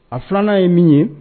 A filanan ye min ye